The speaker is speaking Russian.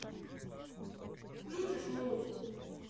включишь музыку